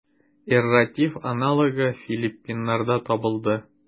Эрратив аналогы филиппиннарда табылды.